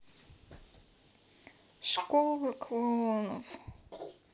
школа клоунов